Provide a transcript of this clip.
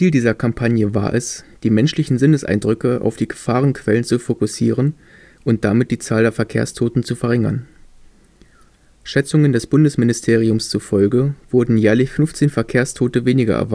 dieser Kampagne war es, die menschlichen Sinneseindrücke auf die Gefahrenquellen zu fokussieren und damit die Zahl der Verkehrstoten zu verringern. Schätzungen des Bundesministeriums zufolge wurden jährlich 15 Verkehrstote weniger